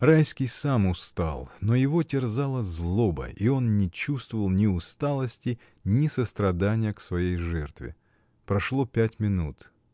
Райский сам устал, но его терзала злоба, и он не чувствовал ни усталости, ни сострадания к своей жертве. Прошло пять минут.